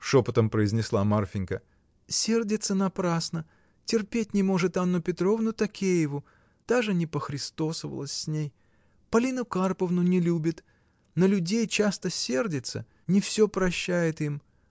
— шепотом произнесла Марфинька, — сердится напрасно, терпеть не может Анну Петровну Токееву: даже не похристосовалась с ней! Полину Карповну не любит. На людей часто сердится не всё прощает им